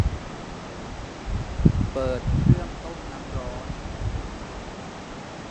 เปิดเครื่องต้มน้ำร้อน